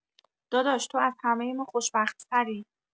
داداش تو از همه ما خوشبخت‌تری